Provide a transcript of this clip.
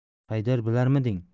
haydar bilarmiding